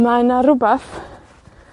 ma' 'na rwbath